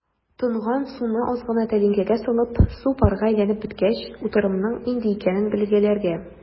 Тонган суны аз гына тәлинкәгә салып, су парга әйләнеп беткәч, утырымның нинди икәнен билгеләргә.